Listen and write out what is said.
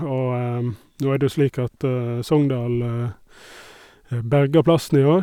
Og nå er det jo slik at Sogndal berga plassen i år.